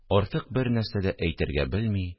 Артык бер нәрсә дә әйтергә белми